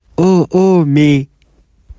Uh, uh, me.